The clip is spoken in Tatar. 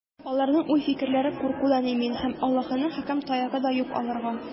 Аларның уй-фикерләре куркудан имин, һәм Аллаһының хөкем таягы да юк аларга.